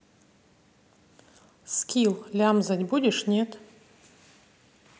скил лямзать будешь нет